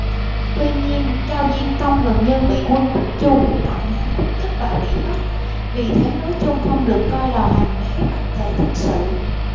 tuy nhiên cao diên tông gần như bị quân bắc chu đánh bại ngay lập tức và bị bắt vì thế nói chung không được coi là hoàng đế bắc tề thật sự